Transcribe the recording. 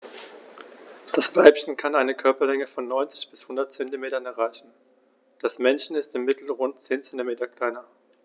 Das Weibchen kann eine Körperlänge von 90-100 cm erreichen; das Männchen ist im Mittel rund 10 cm kleiner.